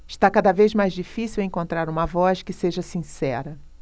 está cada vez mais difícil encontrar uma voz que seja sincera